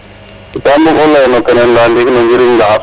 Kaam bug'u lay no keen layaa ndiiki no njiriñ ndaxar.